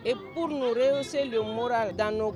Pour nous rehausser le morale dans le coeur